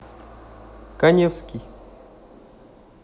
каневский